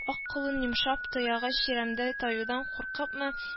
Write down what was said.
Ак колын, йомшак тоягы чирәмдә таюдан куркыпмы